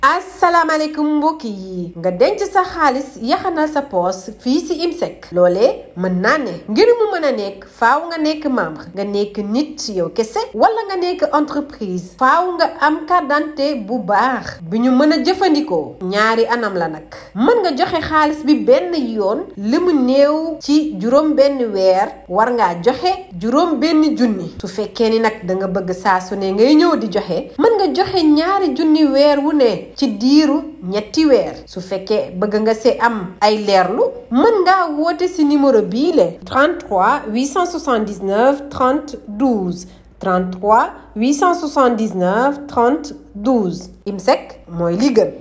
asalaamaaleykum mbokk yi nga denc sa xaalis yaxanal sa poche fii si IMCEC loolee mën naa ne ngir mu mën a nekk fàww nga nekk membre nga nekk nit yow kese wala nga nekk entreprise fàww nga am carte d' identité bu baax bu ñu mën a jëfandikoo ñaari anam la nag mën nga joxe xaalis bi benn yoon lu mu néew ci juróom-benni weer war ngaa joxe juróom-benni junni su fekkee nag da nga bëgg saa su ne ngay ñëw di joxe mën nga joxe ñaari junni weer wu ne ci diiru ñetti weer su fekkeee bëgg nga see am ay leerlu mën ngaa woote si numéro biile 33 879 30 1233 879 30 12 IMCEC mooy li gën